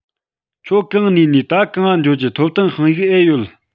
ཁྱོད གང ནས ནིས ད གང ང འགྱོ རྒྱུ ཐོབ ཐང དཔང ཡིག ཨེ ཡོད